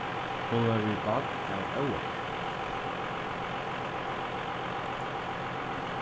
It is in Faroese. hon varð við barn av óvart